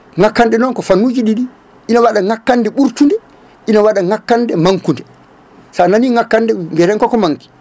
ngakkanɗe noon ko fannuji ɗiɗi ina waɗa ngakkanɗe ɓurtude ina waɗa ngakkande manque kude sa nani ngakkande mbiyeten koko manque ki